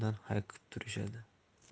undan hayiqib turishardi